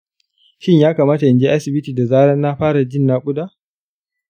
shin ya kamata inje asibiti da zaran na fata jin naƙuda